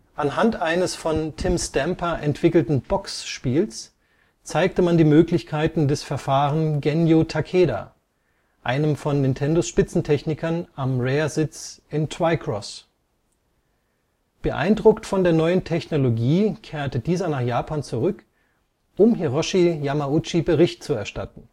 Anhand eines von Tim Stamper entwickelten Box-Spiels zeigte man die Möglichkeiten das Verfahren Genyo Takeda, einem von Nintendos Spitzentechnikern, am Rare-Sitz in Twycross. Beeindruckt von der neuen Technologie kehrte dieser nach Japan zurück, um Hiroshi Yamauchi Bericht zu erstatten